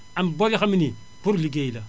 am bor yoo xam ne pour ligéey la